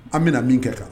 An bɛna min kɛ kan